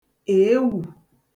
èewù!